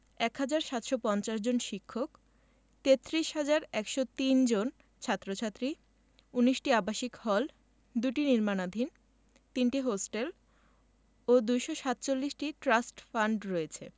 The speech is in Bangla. ১ হাজার ৭৫০ জন শিক্ষক ৩৩ হাজার ১০৩ জন ছাত্র ছাত্রী ১৯টি আবাসিক হল ২টি নির্মাণাধীন ৩টি হোস্টেল ও ২৪৭টি ট্রাস্ট ফান্ড রয়েছে